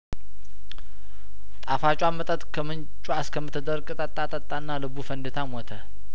ጣፋጯን መጠጥ ከምንጯ እስከምትደርቅ ጠጣ ጠጣና ልቡ ፈንድ ታሞተ